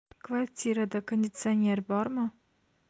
kvartirada konditsioner bormi